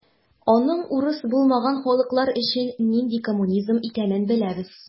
Аның урыс булмаган халыклар өчен нинди коммунизм икәнен беләбез.